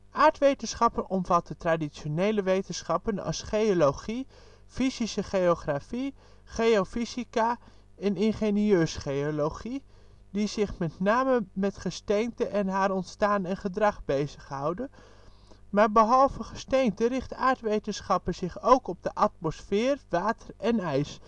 Aardwetenschappen omvat de traditionele wetenschappen als geologie, fysische geografie, geofysica en ingenieursgeologie, die zich met name met gesteente en haar ontstaan en gedrag bezig houden. Maar behalve gesteente richt aardwetenschappen zich ook op de atmosfeer, water en ijs